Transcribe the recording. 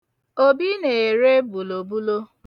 Obi na-ere bùlòbulo.